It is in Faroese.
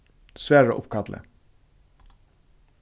svara uppkalli